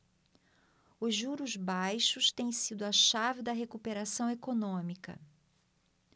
os juros baixos têm sido a chave da recuperação econômica